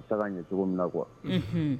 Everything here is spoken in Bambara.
U bɛ taa ɲɛ cogo min na kuwa